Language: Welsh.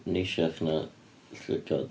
Neisiach 'na llygod.